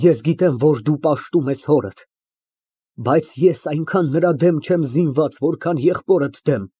Ես գիտեմ, որ դու պաշտում ես հորդ, բայց ես այնքան նրա դեմ չեմ զինված, որքան եղբորդ դեմ։